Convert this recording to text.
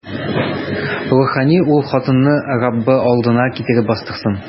Рухани ул хатынны Раббы алдына китереп бастырсын.